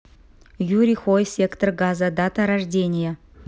юрий хой сектор газа дата рождения